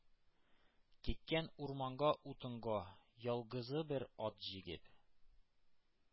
Киткән урманга утынга, ялгызы бер ат җигеп.